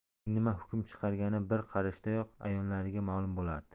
uning nima hukm chiqargani bir qarashidayoq a'yonlariga ma'lum bo'lardi